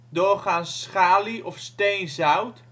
doorgaans schalie of steenzout